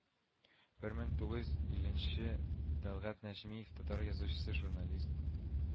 Бер мең тугыз илленче тәлгать нәҗмиев, татар язучысы, журналист